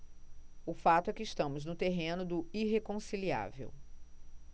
o fato é que estamos no terreno do irreconciliável